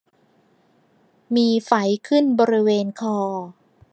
มีไฝขึ้นบริเวณคอ